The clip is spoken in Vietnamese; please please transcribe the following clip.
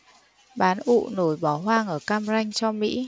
bán ụ nổi bỏ hoang ở cam ranh cho mỹ